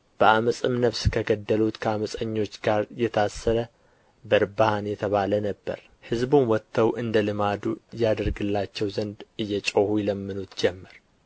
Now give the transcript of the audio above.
በዓመፅም ነፍስ ከገደሉት ከዓመፀኞች ጋር የታሰረ በርባን የተባለ ነበረ ሕዝቡም ወጥተው እንደ ልማዱ ያደርግላቸው ዘንድ እየጮኹ ይለምኑት ጀመር